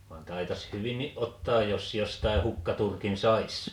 vaan taitaisi hyvinkin ottaa jos jostakin hukkaturkin saisi